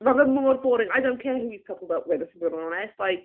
Mae fe mor boring. I don't care who he's coupled up with if I'm bod yn onest like...